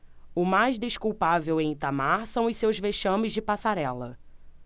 o mais desculpável em itamar são os seus vexames de passarela